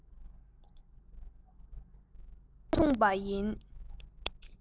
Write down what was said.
ཡང མཚུངས པ ཡིན